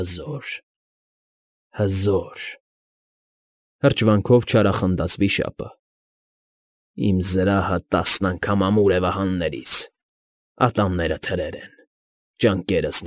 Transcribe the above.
Հզո՛ր, հզո՛ր…֊ հրճվանքով չարախնդաց վիշապը։֊ Իմ զրահը տասն անգամ ամուր է վահաններից, ատամներս՝ թրեր են, ճանկերս՝